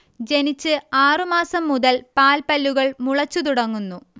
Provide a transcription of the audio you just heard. ജനിച്ച് ആറുമാസം മുതൽ പാൽപ്പല്ലുകൾ മുളച്ചുതുടങ്ങുന്നു